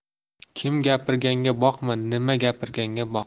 kim gapirganga boqma nima gapirganga boq